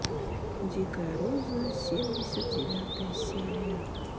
дикая роза семьдесят девятая серия